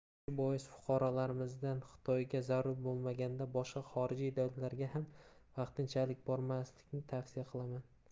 shu bois fuqarolarimizdan xitoyga zarurat bo'lmaganda boshqa xorijiy davlatlarga ham vaqtinchalik bormaslikni tavsiya qilaman